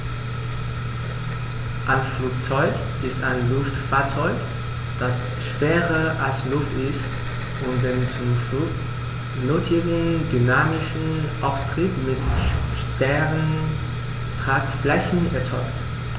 Ein Flugzeug ist ein Luftfahrzeug, das schwerer als Luft ist und den zum Flug nötigen dynamischen Auftrieb mit starren Tragflächen erzeugt.